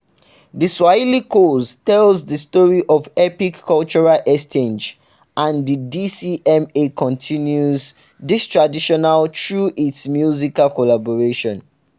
The Swahili coast tells the story of epic cultural exchanges and the DCMA continues this tradition through its musical collaborations.